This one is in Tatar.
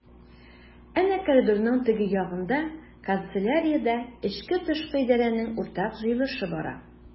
Әнә коридорның теге ягында— канцеляриядә эчке-тышкы идарәнең уртак җыелышы бара.